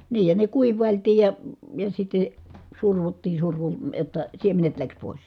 niin ja ne kuivailtiin ja ja sitten survottiin - jotta siemenet lähti pois